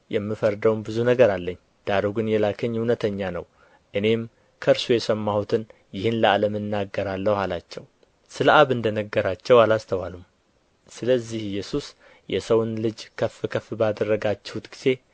የምፈርደውም ብዙ ነገር አለኝ ዳሩ ግን የላከኝ እውነተኛ ነው እኔም ከእርሱ የሰማሁትን ይህን ለዓለም እናገራለሁ አላቸው ስለ አብ እንደ ነገራቸው አላስተዋሉም ስለዚህም ኢየሱስ የሰውን ልጅ ከፍ ከፍ ባደረጋችሁት ጊዜ